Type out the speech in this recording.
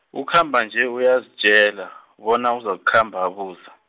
ukhamba nje uyazitjela, bona uzakukhamba abuza.